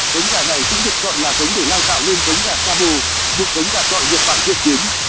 giống gà này cũng được chọn là giống để lai tạo nên giống gà shamo một giống gà chọi nhật bản thiện chiến